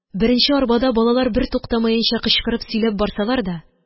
Беренче арбада балалар бертуктамаенча кычкырып сөйләп барсалар да